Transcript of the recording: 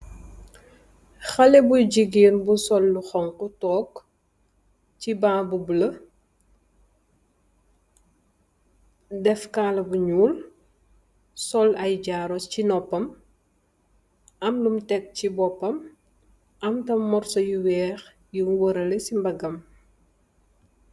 Khaleh bu gigeen bu sul lu xong khu toog si bang bu bulah daf kalabu nyul sul aye jarru si nopam am lum tek si bopam am tam mursuh yu wekh yun woureleh si mbaggam